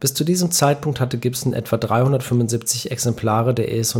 zu diesem Zeitpunkt hatte Gibson etwa 375 Exemplare der ES-150